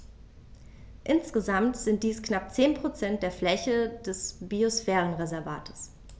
Insgesamt sind dies knapp 10 % der Fläche des Biosphärenreservates.